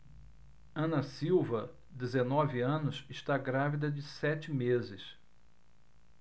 ana silva dezenove anos está grávida de sete meses